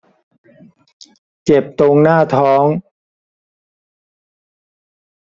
เจ็บตรงหน้าท้อง